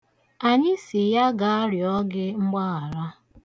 Anyị sị ya gaa rịọ gị mgbaghara.